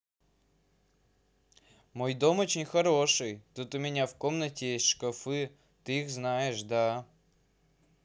мой дом очень хороший тут у меня в комнате есть шкафы ты их знаешь да